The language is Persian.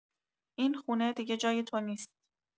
این خونه دیگه جای تو نیست!